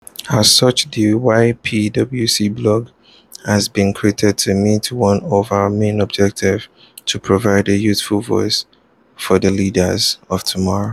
As such, the YPWC Blog has been created to meet one of our main objectives: to provide a “youthful voice” for the leaders of tomorrow.